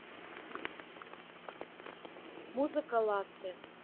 музыка латте